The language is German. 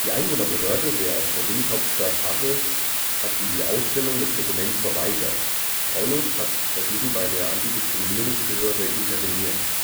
Einwohnerbehörde der Provinzhauptstadt Hasselt hat die Ausstellung des Dokuments verweigert. Graulus hat dagegen bei der Anti-Diskriminierungsbehörde interveniert